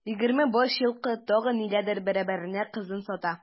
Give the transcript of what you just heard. Егерме баш елкы, тагын ниләрдер бәрабәренә кызын сата.